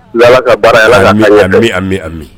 N ala ka baara alaha hami yan ni an bɛ ami